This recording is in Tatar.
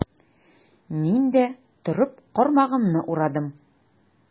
Мин дә, торып, кармагымны урадым.